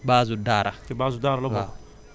Louga fii mi ngi bokk ci base su Daara